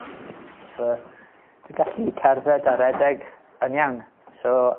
So dwi gallu cerdded a redeg yn iawn so